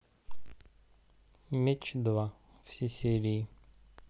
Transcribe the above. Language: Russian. меч два все серии